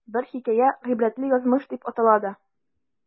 Бер хикәя "Гыйбрәтле язмыш" дип атала да.